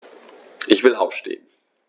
Ich will aufstehen.